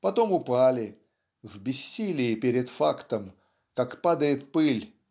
потом упали "в бессилии перед фактом как падает пыль